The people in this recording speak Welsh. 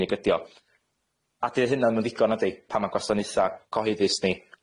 O's 'na unryw gwestiwn?